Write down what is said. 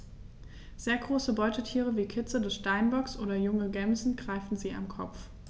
Sehr große Beutetiere wie Kitze des Steinbocks oder junge Gämsen greifen sie am Kopf.